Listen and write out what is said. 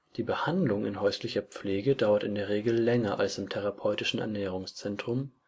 Die Behandlung in häuslicher Pflege dauert in der Regel länger (total ca. sechs bis acht Wochen) als im therapeutischen Ernährungszentrum